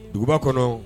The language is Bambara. Duguba kɔnɔ